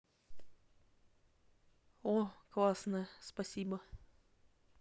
о классно спасибо